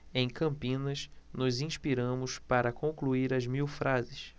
em campinas nos inspiramos para concluir as mil frases